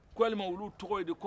ko yali olu tɔgɔ